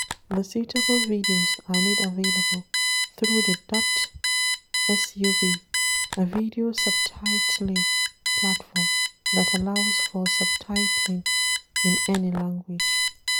The subtitled videos are made available through the dotSUB, a video subtitling platform that allows for subtitling in any language.